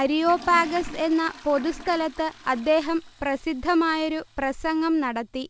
Areopagus എന്ന പൊതുസ്ഥലത്ത് അദ്ദേഹം പ്രസിദ്ധമായൊരു പ്രസംഗം നടത്തി